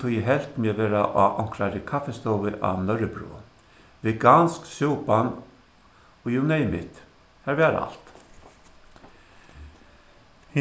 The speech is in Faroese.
tí eg helt meg vera á onkrari kaffistovu á nørrebro vegansk súpan og you name it har var alt